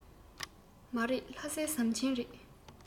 མ རེད ལྷ སའི ཟམ ཆེན རེད